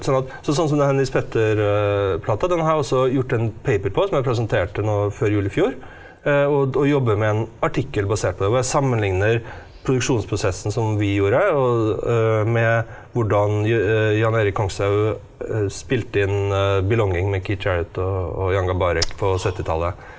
sånn at så sånn som det her med Nils Petter-plata den har jeg også gjort en paper på som jeg presenterte nå før jul i fjor og og jobber med en artikkel basert på det hvor jeg sammenligner produksjonsprosessen som vi gjorde og med hvordan Jan Erik Kongshaug spilte inn Belonging med Keith Jarrett og og Jan Garbarek på syttitallet.